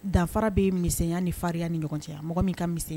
Danfara bee misɛnya ni farinya ni ɲɔgɔn cɛ mɔgɔ min ka misɛn